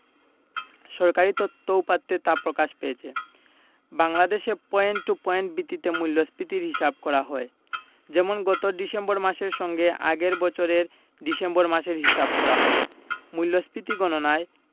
সরকারি তথ্য উপাত্তে তা প্রকাশ পেয়েছে বাংলাদেশে পয়েন্ট টু পয়েন্ট ভিত্তিতে মূল্যস্ফীতির হিসাব করা হয় যেমন গত ডিসেম্বর মাসের সঙ্গে আগের বছরের ডিসেম্বর মাসের হিসাব করা হয় মূল্যস্ফীতি গণনায়